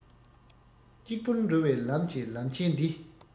གཅིག པུར འགྲོ བའི ལམ གྱི ལམ ཆས འདི